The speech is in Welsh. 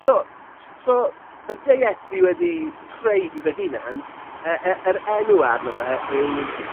So. S- so y deiet fi wedi creu fy hunan y y yr enw arno fe yw'r